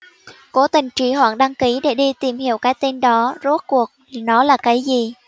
cố tình trì hoãn đăng ký để đi tìm hiểu cái tên đó rốt cuộc nó là cái gì